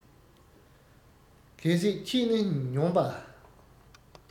གལ སྲིད ཁྱེད ནི མྱོན པ